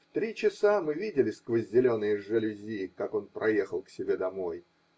В три часа мы видели сквозь зеленые жалюзи, как он проехал к себе домой